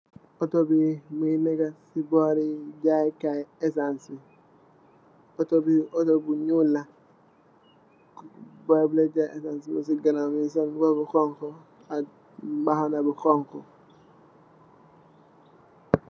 Otto bii mungi neekë si boori jaayé kaay essans bi. Otto bi Otto bu ñuul la, booy bu dee jaay essans mung sol mbubu xonxu ak mbaxana bu xoñxu.